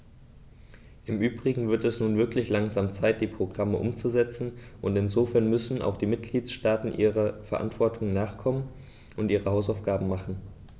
Im übrigen wird es nun wirklich langsam Zeit, die Programme umzusetzen, und insofern müssen auch die Mitgliedstaaten ihrer Verantwortung nachkommen und ihre Hausaufgaben machen.